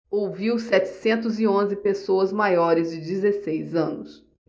ouviu setecentos e onze pessoas maiores de dezesseis anos